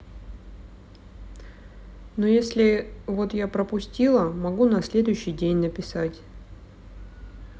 но если вот я пропустила могу на следующий день написать